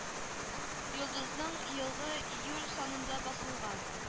Йолдызның елгы июль санында басылган